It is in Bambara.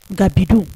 Nka bidon